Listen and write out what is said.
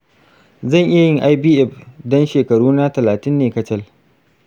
zan iya yin ivf dan shekaruna talatin ne kacal?